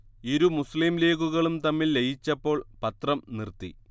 ഇരു മുസ്ലിം ലീഗുകളും തമ്മിൽ ലയിച്ചപ്പോൾ പത്രം നിർത്തി